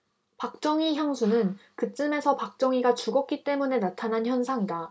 박정희 향수는 그쯤에서 박정희가 죽었기 때문에 나타난 현상이다